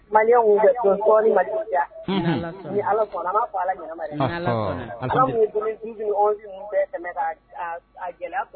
Mali bɛ toɔri mandiya ni ala fɔ a alama g bɛ tɛmɛ ka a gɛlɛ